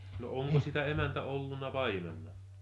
no onko sitä emäntä ollut paimenena